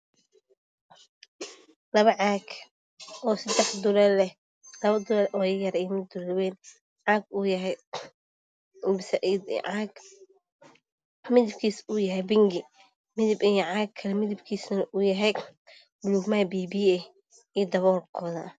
Waa labo caag oo leh seddex duleel waana caag saliid midabkiisu waa bingi. Caaga kalana midabkiisu waa buluug maari biyo biyo ah iyo daboolkooda.